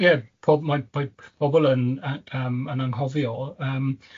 Ie, pob- mae mae pobl yn yy yym, yn anghofio yym